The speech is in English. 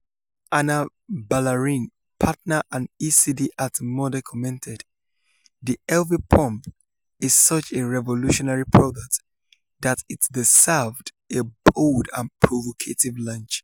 Ana Balarin, partner and ECD at Mother commented: "The Elvie Pump is such a revolutionary product that it deserved a bold and provocative launch.